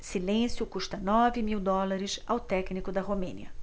silêncio custa nove mil dólares ao técnico da romênia